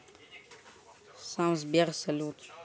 сам сбер салют